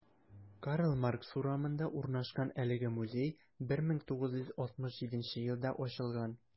Карл Маркс урамында урнашкан әлеге музей 1967 елда ачылган.